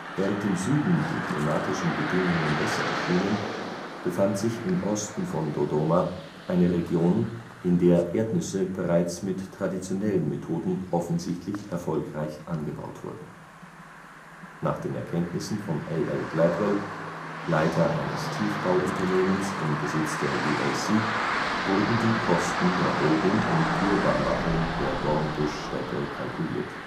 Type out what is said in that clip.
Während im Süden die klimatischen Bedingungen besser erschienen, befand sich im Osten von Dodoma eine Region, in der Erdnüsse bereits mit traditionellen Methoden offensichtlich erfolgreich angebaut wurden. Nach den Erkenntnissen von A. L. Gladwell, Leiter eines Tiefbauunternehmens im Besitz der UAC, wurden die Kosten der Rodung und Urbarmachung der Dornbuschsteppe kalkuliert